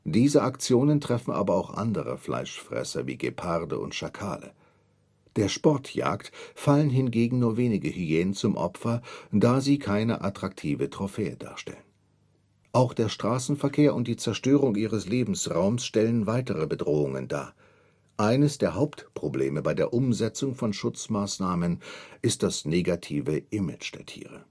Diese Aktionen treffen aber auch andere Fleischfresser wie Geparde und Schakale. Der Sportjagd fallen hingegen nur wenige Hyänen zum Opfer, da sie keine attraktive Trophäe darstellen. Auch der Straßenverkehr und die Zerstörung ihres Lebensraums stellen weitere Bedrohungen dar. Eines der Hauptprobleme bei der Umsetzung von Schutzmaßnahmen ist das negative Image der Tiere